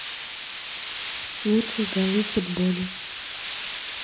лучшие голы в футболе